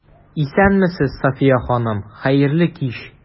Исәнмесез, Сафия ханым, хәерле кич!